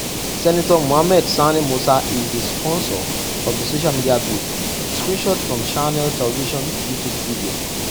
Senator Mohammed Sani Musa is the sponsor of the social media bill. Screenshot from Channel Television You Tube video.